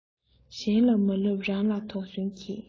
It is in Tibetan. གཞན ལ མ ལབ རང ལ དོགས ཟོན གྱིས